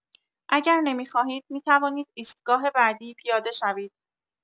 اگر نمی‌خواهید می‌توانید ایستگاه بعدی پیاده شوید.